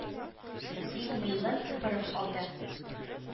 Дип, мыегын сыпырып алды.